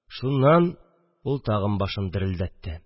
– шуннан... – ул тагын башын дерелдәтте